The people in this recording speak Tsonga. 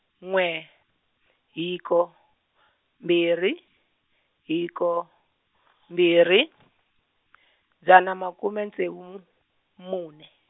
n'we, hiko, mbirhi, hiko , mbirhi, dzana makume ntsevu m-, mune.